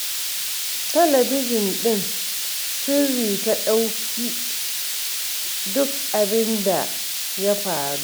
Talabijin ɗin sirri ta ɗauki duk abin da ya faru.